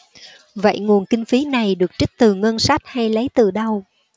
vậy nguồn kinh phí này được trích từ ngân sách hay lấy từ đâu